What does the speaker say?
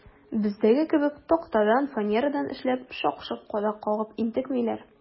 Бездәге кебек тактадан, фанерадан эшләп, шак-шок кадак кагып интекмиләр.